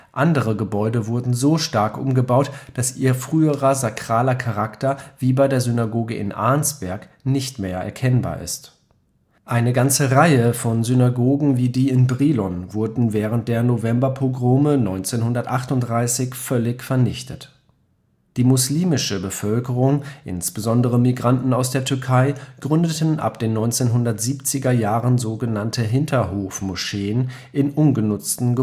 Andere Gebäude wurden so stark umgebaut, dass ihr früherer sakraler Charakter, wie bei der Synagoge in Arnsberg, nicht mehr erkennbar ist. Eine ganze Reihe von Synagogen wie die in Brilon wurden während der Novemberpogrome 1938 völlig vernichtet. Die muslimische Bevölkerung, insbesondere Migranten aus der Türkei, gründeten ab den 1970er Jahren so genannte Hinterhofmoscheen in umgenutzten